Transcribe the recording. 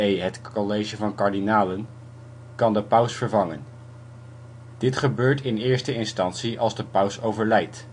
i.e. het College van Kardinalen) kan de paus vervangen. Dit gebeurt in eerste instantie als de paus overlijdt